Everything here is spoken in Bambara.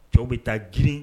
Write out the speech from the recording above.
Cɛw bɛ taa jiri